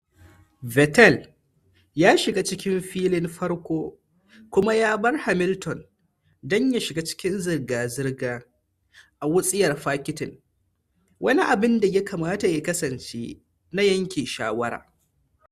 Vettel ya shiga cikin filin farko kuma ya bar Hamilton don ya shiga cikin zirga-zirga a wutsiyar fakitin, wani abin da ya kamata ya kasance na yanke shawara.